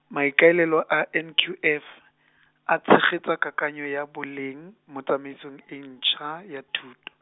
maikaelelo a N Q F, a tshegetsa kakanyo ya boleng, mo tsamaisong e ntšha ya thuto.